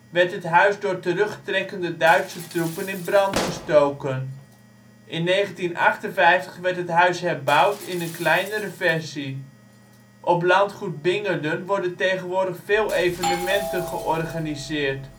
werd het huis door terugtrekkende Duitse troepen in brand gestoken. In 1958 werd het huis herbouwd in een kleinere versie. Op landgoed Bingerden worden tegenwoordig veel evenementen georganiseerd